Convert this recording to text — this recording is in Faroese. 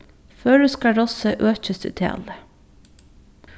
føroyska rossið økist í tali